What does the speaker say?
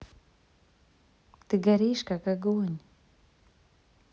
ты горишь как огонь